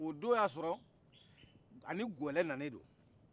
o don ya sɔrɔ ani gɛlɛ na nen do